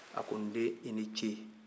a ko ''n den i ni ce''